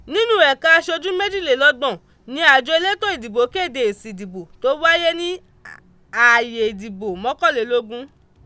Nínú ẹ̀ka aṣojú méjìlélọ́gbọ̀n ni àjọ elétò ìdìbò kéde èsì ìdìbò tó wáyé ní ààyè ìdìbò mọ́kànlélógún.